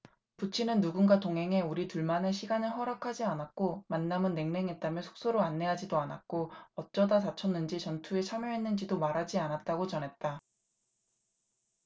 부친은 누군가 동행해 우리 둘만의 시간을 허락하지 않았고 만남은 냉랭했다며 숙소로 안내하지도 않았고 어쩌다 다쳤는지 전투에 참여했는지도 말하지 않았다고 전했다